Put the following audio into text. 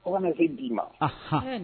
Aw kana se d'i ma